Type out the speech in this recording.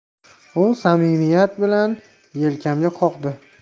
u samimiyat bilan yelkamga qoqdi